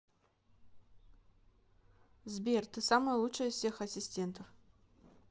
сбер ты самая лучшая из всех ассистентов